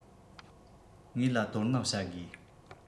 ངའི ལ དོ སྣང བྱ དགོས